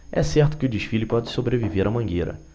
é certo que o desfile pode sobreviver à mangueira